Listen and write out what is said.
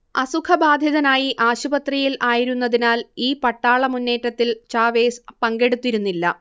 അസുഖബാധിതനായി ആശുപത്രിയിൽ ആയിരുന്നതിനാൽ ഈ പട്ടാളമുന്നേറ്റത്തിൽ ചാവേസ് പങ്കെടുത്തിരുന്നില്ല